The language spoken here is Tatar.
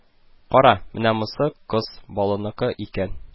Кара, менә бусы кыз баланыкы икән